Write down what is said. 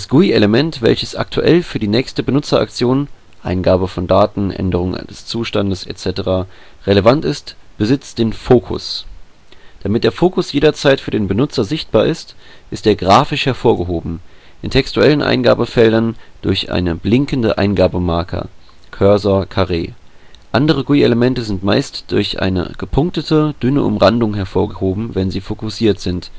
GUI-Element, welches aktuell für die nächste Benutzer-Aktion (Eingabe von Daten, Änderung des Zustands etc.) relevant ist, besitzt den Fokus. Damit der Fokus jederzeit für den Benutzer sichtbar ist, ist er grafisch hervorgehoben: in textuellen Eingabefeldern durch eine blinkende Eingabemarke (Cursor, Caret); andere GUI-Elemente sind meist durch eine gepunktete, dünne Umrandung hervorgehoben, wenn sie fokussiert sind